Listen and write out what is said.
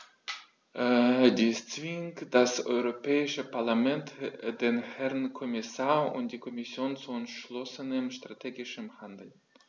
Dies zwingt das Europäische Parlament, den Herrn Kommissar und die Kommission zu entschlossenem strategischen Handeln.